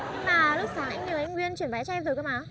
nhưng mà lúc sáng anh nhờ anh nguyên chuyển vé cho em rồi cơ mà